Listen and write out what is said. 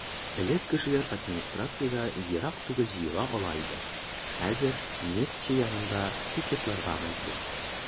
Элек кешеләр администрациягә ерак түгел җыела ала иде, хәзер "Нефтьче" янында пикетларга мәҗбүр.